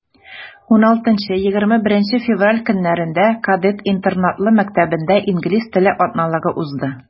16-21 февраль көннәрендә кадет интернатлы мәктәбендә инглиз теле атналыгы узды.